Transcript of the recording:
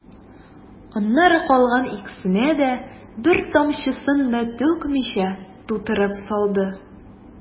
Аннары калган икесенә дә, бер тамчысын да түкмичә, тутырып салды.